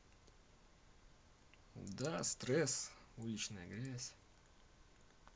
да стресс уличная грязь